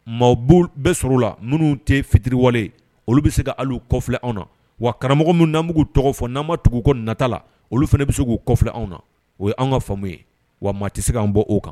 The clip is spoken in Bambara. Maa bɛɛ sɔrɔ la minnu tɛ fitiriwale olu bɛ se ka ali kɔfi anw na wa karamɔgɔ min naan bu tɔgɔ fɔ n'an ma tugu ko natala olu fana bɛ se k'u kɔfi anw na o ye an ka faamuya ye wa maa tɛ se'an bɔ o kan